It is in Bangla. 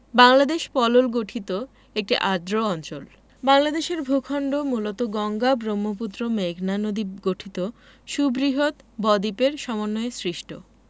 বাংলদেশ পলল গঠিত একটি আর্দ্র অঞ্চল বাংলাদেশের ভূখন্ড মূলত গঙ্গা ব্রহ্মপুত্র মেঘনা নদীগঠিত সুবৃহৎ বদ্বীপের সমন্বয়ে সৃষ্ট